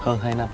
hơn hai năm